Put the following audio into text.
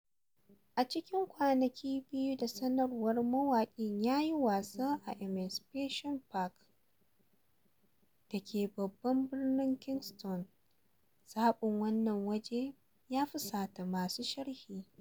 A cikin kwanaki biyu da sanarwa, mawaƙin ya yi wasan a Emancipation Park da ke babban birnin Kingston - zaɓin wannan waje ya fusata masu sharhi.